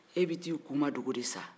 e bɛ t'i kun madogo de sa